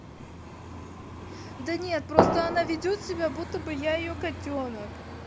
да нет просто она ведет себя будто бы я ее котенок